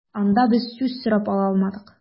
Анда без сүз сорап ала алмадык.